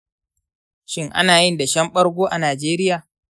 shin ana yin dashen ɓargo a najeriya?